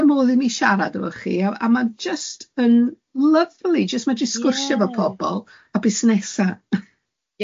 Fysa modd i mi siarad efo chi a a ma'n jyst yn lyfli jyst medru... Ie. ...sgwrsio efo pobl a busnesa.